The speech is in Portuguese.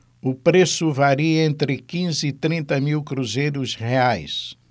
o preço varia entre quinze e trinta mil cruzeiros reais